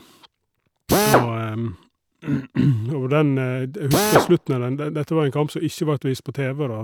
og Og den d jeg husker slutten av den, de dette var en kamp som ikke vart vist på TV, da.